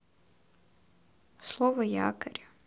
слово якорь